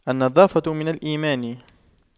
النظافة من الإيمان